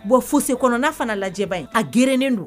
Bon fose kɔnɔna fana lajɛ bani a gernen don.